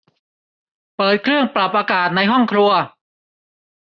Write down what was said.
เปิดเครื่องปรับอากาศในห้องครัว